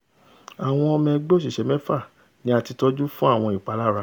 Àwọn ọmọ ẹgbẹ́ òṣìṣẹ́ mẹ́fà ni a ti tọ́jú fún àwọn ìpalára.